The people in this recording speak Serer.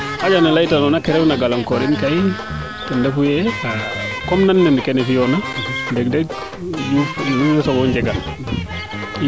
xanja ne leyta noona ke refna galang koor in ten refu yee comme nan nen kene fiyoona deg deg in way soogo njegan